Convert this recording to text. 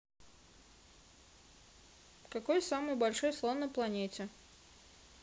какой самый большой слон на планете